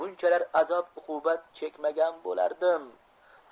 bunchalar azob uqubat chekmagan bo'lardim